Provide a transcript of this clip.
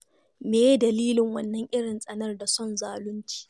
Me ye dalilin wannan irin tsanar da son zalunci?